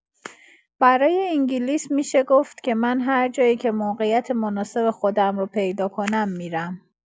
برای انگلیس می‌شه گفت که من هر جایی که موقعیت مناسب خودم رو پیدا کنم می‌رم.